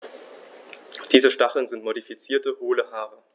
Diese Stacheln sind modifizierte, hohle Haare.